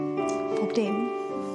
Pob dim.